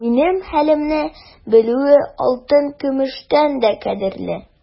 Минем хәлемне белүе алтын-көмештән дә кадерле.